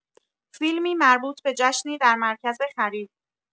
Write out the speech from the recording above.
فیلمی مربوط به جشنی در مرکز خرید